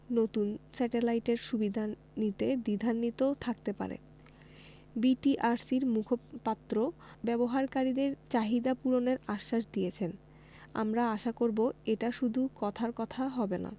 নতুন স্যাটেলাইটের সুবিধা নিতে দ্বিধান্বিত থাকতে পারে বিটিআরসির মুখপাত্র ব্যবহারকারীদের চাহিদা পূরণের আশ্বাস দিয়েছেন আমরা আশা করব এটা শুধু কথার কথা হবে না